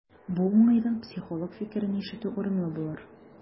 Бу уңайдан психолог фикерен ишетү урынлы булыр.